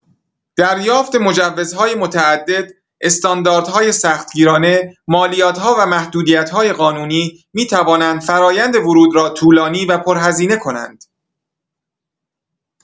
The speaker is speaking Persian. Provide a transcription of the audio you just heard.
دریافت مجوزهای متعدد، استانداردهای سخت‌گیرانه، مالیات‌ها و محدودیت‌های قانونی می‌توانند فرآیند ورود را طولانی و پرهزینه کنند.